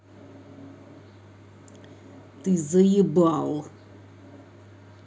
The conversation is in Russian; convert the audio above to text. ты заебал